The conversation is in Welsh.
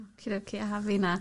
Oki-doki a finna.